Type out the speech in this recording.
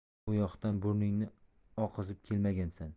u yoqdan burningni oqizib kelmagansan